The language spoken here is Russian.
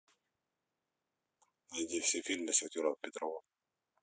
найди все фильмы с актером петров